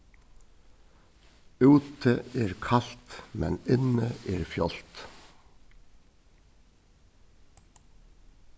úti er kalt men inni er fjálgt